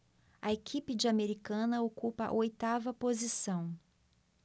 a equipe de americana ocupa a oitava posição